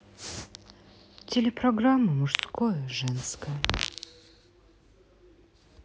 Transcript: телепрограмма мужское женское